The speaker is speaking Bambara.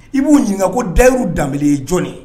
I b'u ɲininkaka ko da y' dab ye jɔnni